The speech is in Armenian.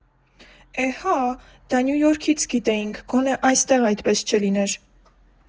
Է հա՜, դա Նյու Յորքից գիտեինք, գոնե այստեղ այդպես չլիներ։